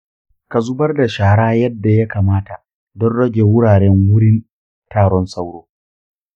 ka zubar da shara yadda ya kamata don rage wuraren wurin taron sauro.